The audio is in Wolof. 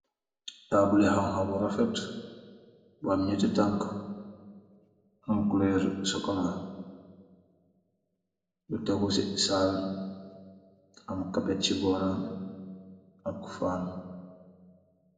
Taabuli hanha bu rafet bu am njehti tankah, am couleur ci kanam, bu tehgu cii saaal am carpet chi bohram ak fan.